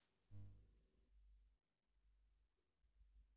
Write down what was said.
сгнившее яблоко